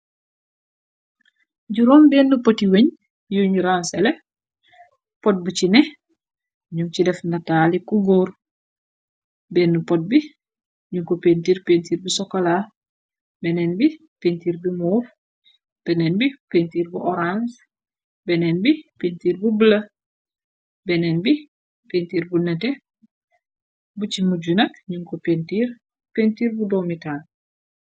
Juroom benn poti weñ yuñu ransele pot bu ci ne ñum ci def nataali ku góor benn pot bi ñuko pintiir pintiir bi sokola beneen bi pintiir bi moov beneen bi pintiir bu orange beneen bi pintiir bu blë beneen bi pintiir bu nete bu ci mujju nak ñunko pintiir bu doomitaal.